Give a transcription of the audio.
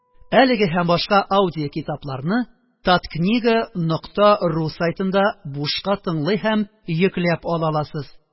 Әлеге һәм башка китапларны таткнига.ру сайтында бушка тыңлый һәм йөкләп ала аласыз